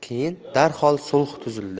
keyin darhol sulh tuzildi